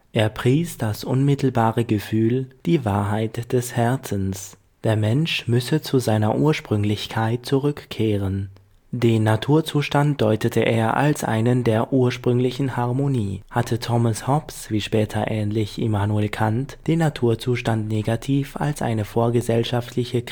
Er pries das unmittelbare Gefühl, die „ Wahrheit des Herzens “. Der Mensch müsse zu seiner Ursprünglichkeit zurückkehren. Den Naturzustand deutete er als einen der ursprünglichen Harmonie. Hatte Thomas Hobbes, wie später ähnlich Immanuel Kant, den Naturzustand negativ als eine vorgesellschaftliche